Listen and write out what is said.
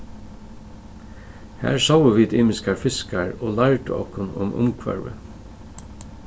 har sóu vit ymiskar fiskar og lærdu okkum um umhvørvið